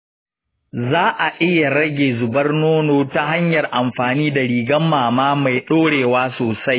za a iya rage zubar nono ta hanyar amfani da rigar mama mai ɗaurewa sosai.